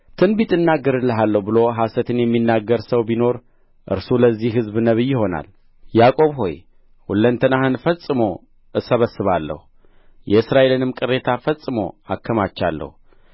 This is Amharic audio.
ትንቢት እናገርልሃለሁ ብሎ ሐሰትን የሚናገር ሰው ቢኖር እርሱ ለዚህ ሕዝብ ነቢይ ይሆናል ያዕቆብ ሆይ ሁለንተናህን ፈጽሞ እሰበስባለሁ የእስራኤልንም ቅሬታ ፈጽሞ አከማቻለሁ